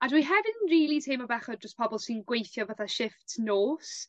a dwi hefyd yn rili teimlo bechod dros pobol sy'n gweithio fatha shifft nos